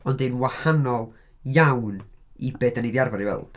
Ond un wahanol iawn i be dan ni 'di arfer ei weld.